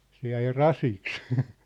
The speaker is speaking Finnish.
se jäi rasiksi